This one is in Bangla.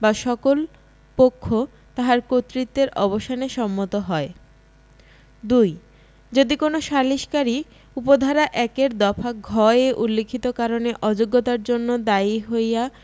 বা সকল পক্ষ তাহার কর্তৃত্বের অবসানে সম্মত হয় ২ যদি কোন সালিসকারী উপ ধারা ১ এর দফা ঘ এ উল্লেখিত কারণে অযোগ্যতার জন্য দায়ী হইয়া